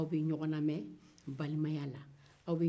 aw bɛ ɲɔgɔn lamɛn balimaya la